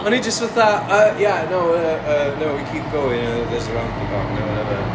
O'n i jyst fatha yy yeah no uh uh no we keep going there's a roundabout neu whatever